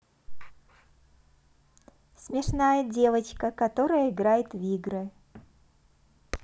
смешная девочка которая играет в игры